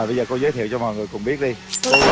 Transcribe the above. bây giờ cô giới thiệu cho mọi người cùng biết đi cô